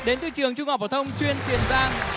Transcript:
đến từ trường trung học phổ thông chuyên tiền giang